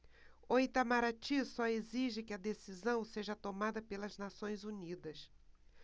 o itamaraty só exige que a decisão seja tomada pelas nações unidas